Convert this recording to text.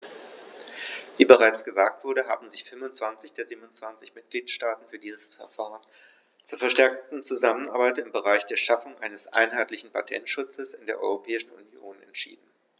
Wie bereits gesagt wurde, haben sich 25 der 27 Mitgliedstaaten für dieses Verfahren zur verstärkten Zusammenarbeit im Bereich der Schaffung eines einheitlichen Patentschutzes in der Europäischen Union entschieden.